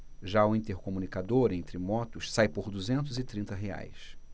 já o intercomunicador entre motos sai por duzentos e trinta reais